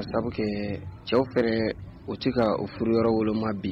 A sabu kɛ cɛw fɛ u tɛ ka o furu yɔrɔ woloma bi